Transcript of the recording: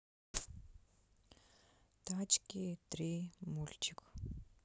тачки три мультик